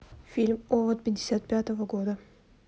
фильм овод пятьдесят пятого года